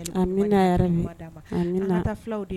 Allo , Ala ka hakili ɲuman d'an ma, amina ya rabi, an ka taa filaw de